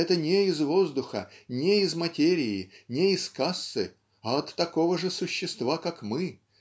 это не из воздуха, не из материи, не из кассы, а от такого же существа, как мы